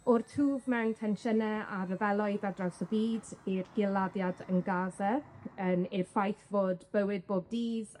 O'r twf mewn tensiyne a ryfeloedd ar draws y byd, i'r hil-laddiad yn Gaza, yym i'r ffaith fod bywyd bob dydd